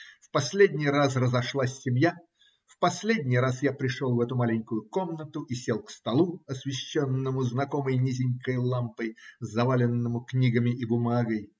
В последний раз разошлась семья, в последний раз я пришел в эту маленькую комнату и сел к столу, освещенному знакомой низенькой лампой, заваленному книгами и бумагой.